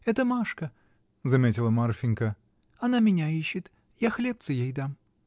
Это Машка, — заметила Марфинька, — она меня ищет. Я хлебца ей дам.